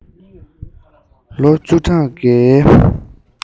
ལོ བཅུ ཕྲག འགའི སྔོན དུ